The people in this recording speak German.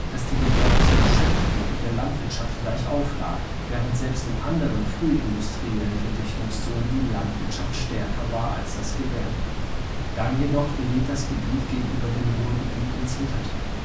die gewerbliche Beschäftigung mit der Landwirtschaft gleichauf lag, während selbst in anderen frühindustriellen Verdichtungszonen die Landwirtschaft stärker war als das Gewerbe. Dann jedoch geriet das Gebiet gegenüber dem Ruhrgebiet ins Hintertreffen